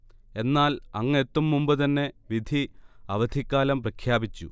എന്നാൽ അങ്ങെത്തും മുമ്പുതന്നെ വിധി അവധിക്കാലം പ്രഖ്യാപിച്ചു